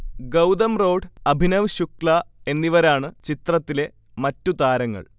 ഗൗതം റോഢ്, അഭിനവ് ശുക്ല എന്നിവരാണ് ചിത്രത്തിലെ മറ്റു താരങ്ങൾ